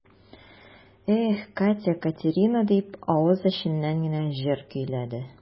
Эх, Катя-Катерина дип, авыз эченнән генә җыр көйләде.